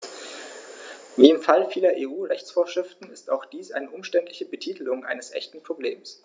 Wie im Fall vieler EU-Rechtsvorschriften ist auch dies eine umständliche Betitelung eines echten Problems.